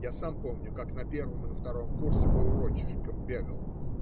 я сам помню, как на первом и на втором курсе по урочишкам бегал.